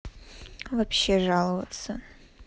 вообще жаловаться